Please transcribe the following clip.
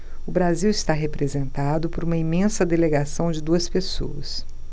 o brasil está representado por uma imensa delegação de duas pessoas